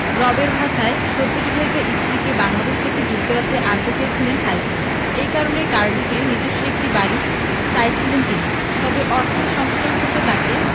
রবের ভাষায় সদ্যবিবাহিত স্ত্রীকে বাংলাদেশ থেকে যুক্তরাজ্যে আনতে চেয়েছিলেন সাইফুল এ কারণে কার্ডিফে নিজস্ব একটি বাড়ি চাইছিলেন তিনি তবে অর্থের সংকুলান করতে তাঁকে